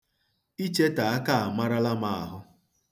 Ichete aka amarala m ahụ.